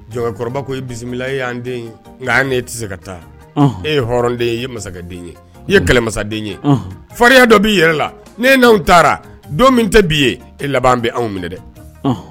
Jɔn ko e bisimila e'an den nka an tɛ se ka taa e ye hɔrɔnden ye ye masakɛden ye i ye kɛlɛmasaden ye fariya dɔ b'i yɛrɛ la ni' n'anw taara don min tɛ b'i ye e laban bɛ' minɛ dɛ